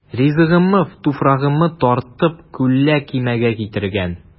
Ризыгыммы, туфрагыммы тартып, Күлле Кимегә китергән.